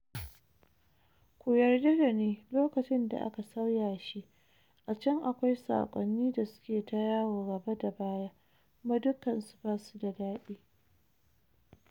Ku yarda dani, lokacin da aka sauya shi a can akwai sakonni da suke ta yawo gaba da baya kuma dukansu ba su da dadi.